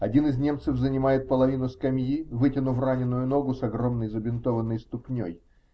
Один из немцев занимает половину скамьи, вытянув раненую ногу с огромной забинтованной ступней